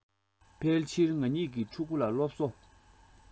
ཕལ ཕྱིར ང གཉིས ཀྱི ཕྲུ གུ ལ སློབ གསོ